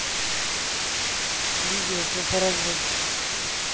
видео про паровозик